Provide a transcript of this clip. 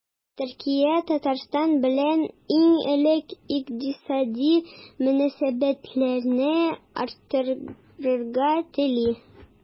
Төркия Татарстан белән иң элек икътисади мөнәсәбәтләрне арттырырга тели.